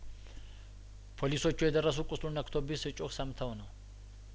ፖሊሶቹ የደረሱት ቁስሉን ነክቶብኝ ስጮህ ሰምተው ነው